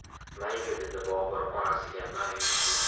mayli dedi bobur onasiga mayus ko'z